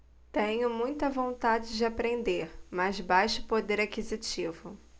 tenho muita vontade de aprender mas baixo poder aquisitivo